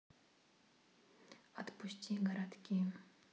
отпусти городки